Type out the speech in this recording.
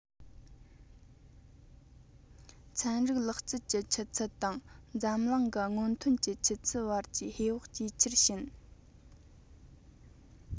ཚན རིག ལག རྩལ གྱི ཆུ ཚད དང འཛམ གླིང གི སྔོན ཐོན གྱི ཆུ ཚད བར གྱི ཧེ བག ཇེ ཆེར ཕྱིན